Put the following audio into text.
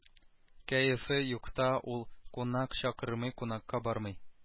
Кәефе юкта ул кунак чакырмый кунакка бармый